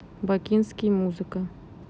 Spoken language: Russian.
бакинский музыка